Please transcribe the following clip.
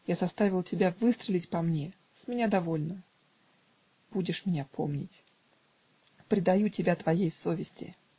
я заставил тебя выстрелить по мне, с меня довольно. Будешь меня помнить. Предаю тебя твоей совести".